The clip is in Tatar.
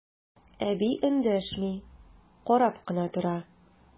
Әби эндәшми, карап кына тора.